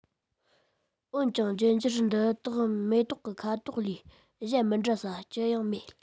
འོན ཀྱང རྒྱུད འགྱུར འདི དག མེ ཏོག གི ཁ དོག ལས གཞན མི འདྲ ས ཅི ཡང མེད